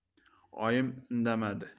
oyim indamadi